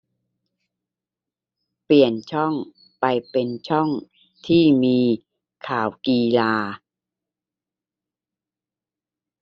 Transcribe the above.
เปลี่ยนช่องไปเป็นช่องที่มีข่าวกีฬา